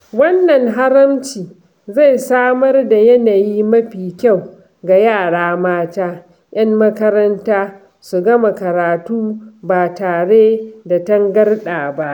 Wannan haramci zai samar da yanayi mafi kyau ga yara mata 'yan makaranta su gama karatu ba tare da tangarɗa ba,